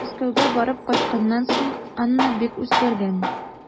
Мәскәүгә барып кайтканнан соң Анна бик үзгәргән.